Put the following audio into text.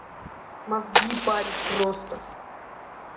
мозги паришь просто